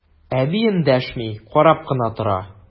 Әби эндәшми, карап кына тора.